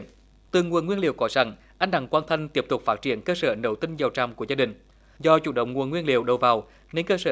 từ nguồn nguyên liệu có sẵn anh đặng quang thanh tiếp tục phát triển cơ sở nấu tinh dầu tràm của gia đình do chủ động nguồn nguyên liệu đầu vào nên cơ sở